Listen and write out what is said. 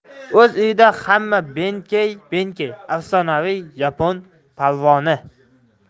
o'z uyida hamma benkey benkey afsonaviy yapon polvoni